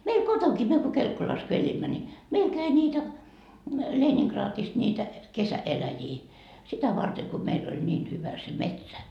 meillä kotonakin me kun Kelkkolassa kun elimme niin meillä kävi niitä Leningradista niitä kesäeläjiä sitä varten kun meillä oli niin hyvä se metsä